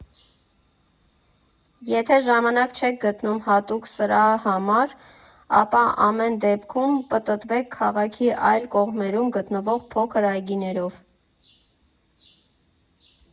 Եթե ժամանակ չեք գտնում հատուկ սրա համար, ապա ամեն դեպքում պտտվեք քաղաքի այլ կողմերում գտնվող փոքր այգիներով։